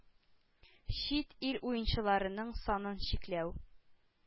Чит ил уенчыларының санын чикләү,